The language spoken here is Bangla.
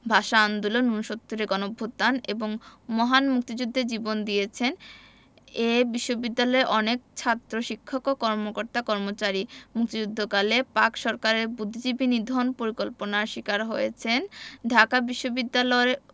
ভাষা আন্দোলন উনসত্তুরের গণঅভ্যুত্থান এবং মহান মুক্তিযুদ্ধে জীবন দিয়েছেন এ বিশ্ববিদ্যালয়ে অনেক ছাত্র শিক্ষক ও কর্মকর্তা কর্মচারী মুক্তিযুদ্ধকালে পাক সরকারের বুদ্ধিজীবী নিধন পরিকল্পনার শিকার হয়েছেন ঢাকা বিশ্ববিদ্যালরে